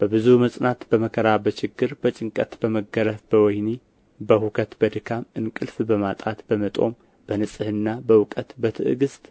በብዙ መጽናት በመከራ በችግር በጭንቀት በመገረፍ በወኅኒ በሁከት በድካም እንቅልፍ በማጣት በመጦም በንጽህና በእውቀት በትዕግሥት